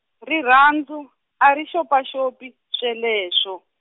rirhandzu, a ri xopaxopi, sweleswo.